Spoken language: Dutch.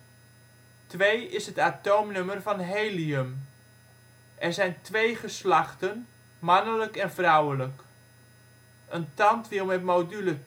Twee is het atoomnummer van helium. Er zijn 2 geslachten (mannelijk en vrouwelijk). Een tandwiel met module